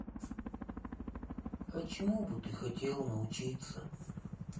а чему бы ты хотел научиться